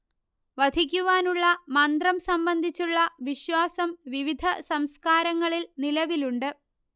വധിക്കുവാനുള്ള മന്ത്രം സംബന്ധിച്ചുള്ള വിശ്വാസം വിവിധ സംസ്കാരങ്ങളിൽ നിലവിലുണ്ട്